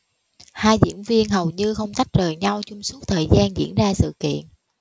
hai diễn viên hầu như không tách rời nhau trong suốt thời gian diễn ra sự kiện